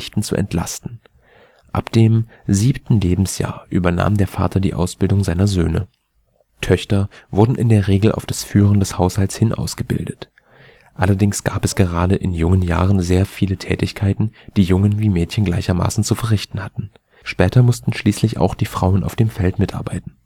zu entlasten. Ab dem siebten Lebensjahr übernahm dann der Vater die Ausbildung seiner Söhne. Töchter wurden in der Regel auf das Führen des Haushalts hin ausgebildet. Allerdings gab es gerade in jungen Jahren sehr viele Tätigkeiten, die Jungen wie Mädchen gleichermaßen zu verrichten hatten. Später mussten schließlich auch die Frauen auf dem Feld mitarbeiten